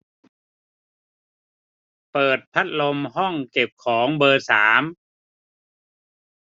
เปิดพัดลมห้องเก็บของเบอร์สาม